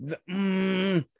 Fy- mm!